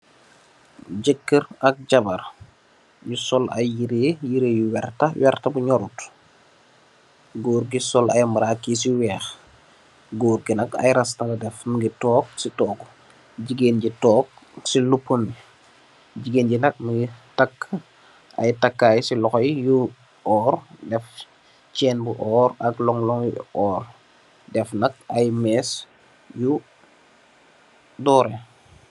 Jekarr ak jabarr nu sol aye yere yere yu werta werta bu nyurut goor ge sol aye marakess yu weex goor ge nak aye rasta la def muge tonke se toogu jegain ge tonke se lopambe jegain ge nak muge take aye takaye se lohou ye yu orr def se chin bu orr ak lung lung yu orr def nak aye mees yu dore.